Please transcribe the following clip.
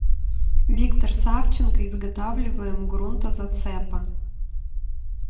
виктор савченко изготавливаем грунтозацепа